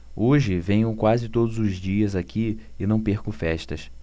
hoje venho quase todos os dias aqui e não perco festas